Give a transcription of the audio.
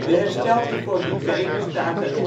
Hersteld Hervormde Kerk bestaat uit